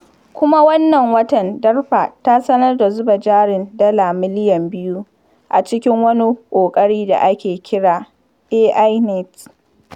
Kuma wannan watan DARPA ta sanar da zuba jarin dala biliyan 2 a cikin wani ƙoƙari da ake kira AI Next.